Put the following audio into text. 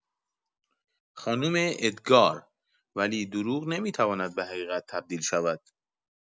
خانم ادگار: ولی دروغ نمی‌تواند به حقیقت تبدیل شود.